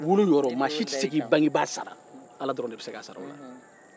maa si tɛ se k'i bangebaa sara wolo yɔrɔ la